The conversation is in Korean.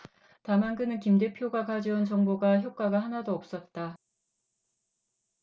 다만 그는 김 대표가 가져온 정보가 효과가 하나도 없었다